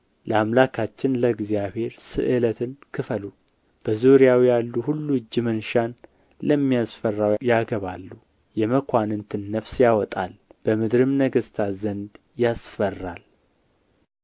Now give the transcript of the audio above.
ለአምላካችን ለእግዚአብሔር ስእለትን ክፈሉ በዙሪያው ያሉ ሁሉ እጅ መንሻን ለሚያስፈራው ያገባሉ የመኳንንትን ነፍስ ያወጣል በምድርም ነገሥታት ዘንድ ያስፈራል